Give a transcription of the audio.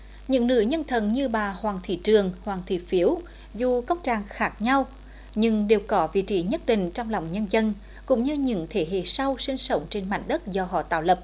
những nữ nhân thần như bà hoàng thị trường hoàng thị phiếu dù cốc tràng khác nhau nhưng đều có vị trí nhất định trong lòng nhân dân cũng như những thế hệ sau sinh sống trên mảnh đất do họ tạo lập